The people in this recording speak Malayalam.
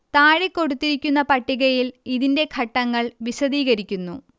താഴെ കൊടുത്തിരിക്കുന്ന പട്ടികയിൽ ഇതിൻറെ ഘട്ടങ്ങൾ വിശദീകരിക്കുന്നു